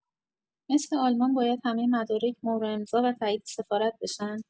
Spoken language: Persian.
مثل آلمان باید همه مدارک مهر و امضا و تایید سفارت بشن؟